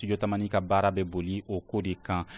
studio tamani ka baara bɛɛ boli o ko de kan